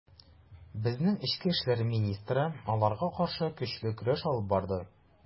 Безнең эчке эшләр министры аларга каршы көчле көрәш алып барды.